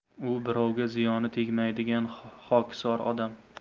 u birovga ziyoni tegmaydigan xokisor odam